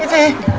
cái gì